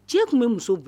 Cɛ tun bɛ muso bɔ